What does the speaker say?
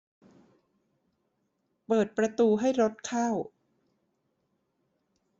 เปิดประตูให้รถเข้า